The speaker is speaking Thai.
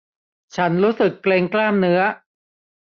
ฉันรู้สึกเกร็งกล้ามเนื้อ